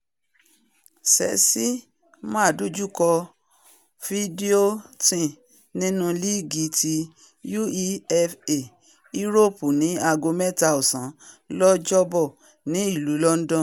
Chelsea máa dojúkọ Videoton nínú Líìgi ti UEFA Europa ní aago mẹ́ta ọ̀sán lọ́jọ́ ‘Bọ̀ ní ìlú Lọndọnu.